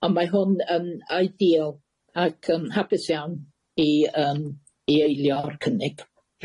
On' mae hwn yn aidiyl ac yn hapus iawn i yym i eilio'r cynnig.